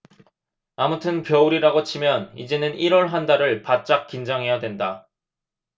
아무튼 겨울이라고 치면 이제는 일 월 한 달을 바짝 긴장해야 된다